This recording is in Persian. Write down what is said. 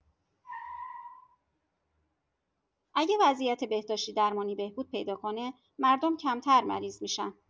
اگه وضعیت بهداشتی‌درمانی بهبود پیدا کنه، مردم کمتر مریض می‌شن.